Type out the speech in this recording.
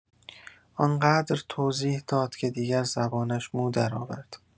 آن‌قدر توضیح داد که دیگر زبانش مو درآورد.